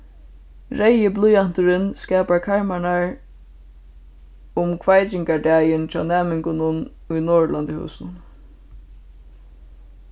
reyði blýanturin skapar karmarnar um kveikingardagin hjá næmingunum í norðurlandahúsinum